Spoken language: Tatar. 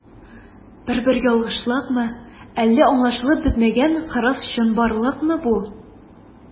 Бер-бер ялгышлыкмы, әллә аңлашылып бетмәгән кырыс чынбарлыкмы бу?